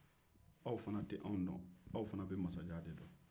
aw fana tɛ anw dɔn aw fana bɛ masajan dɔn